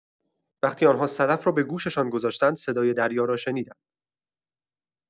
وقتی آن‌ها صدف را به گوششان گذاشتند، صدای دریا را شنیدند.